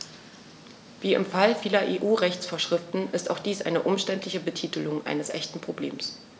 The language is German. Wie im Fall vieler EU-Rechtsvorschriften ist auch dies eine umständliche Betitelung eines echten Problems.